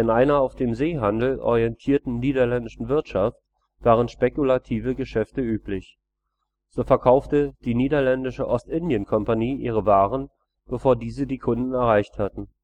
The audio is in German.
einer auf den Seehandel orientierten niederländischen Wirtschaft waren spekulative Geschäfte üblich. So verkaufte die Niederländische Ostindien-Kompanie ihre Waren, bevor diese die Kunden erreicht hatten